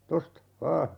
tuosta vain